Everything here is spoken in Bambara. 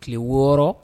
Tile wɔɔrɔ